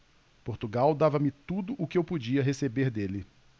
portugal dava-me tudo o que eu podia receber dele